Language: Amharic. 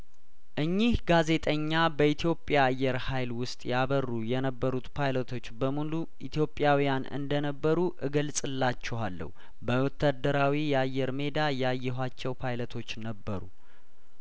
እኚህ ጋዜጠኛ በኢትዮጵያ አየር ሀይል ውስጥ ያበሩ የነበሩት ፓይለቶች በሙሉ ኢትዮጵያዊያን እንደነበሩ እገልጽላችኋለሁ በወታደራዊ የአየር ሜዳ ያየኋቸው ፓይለቶች ነበሩ